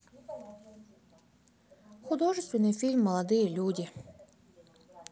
художественный фильм молодые люди